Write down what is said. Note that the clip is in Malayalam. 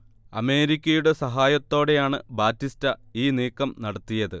അമേരിക്കയുടെ സഹായത്തോടെയാണ് ബാറ്റിസ്റ്റ ഈ നീക്കം നടത്തിയത്